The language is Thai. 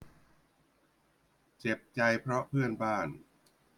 เจ็บใจเพราะเพื่อนบ้าน